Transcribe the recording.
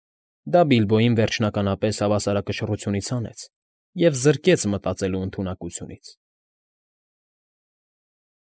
Դա Բիլբոյին վերջնականապես հավասարակշռությունից հանեց և զրկեց մտածելու ընդունակությունից։